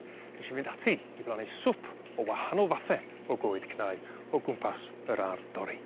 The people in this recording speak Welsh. nesh i fynd ati i blannu swp o wahanol fathe o goed cnau o gwmpas yr ardd dorri.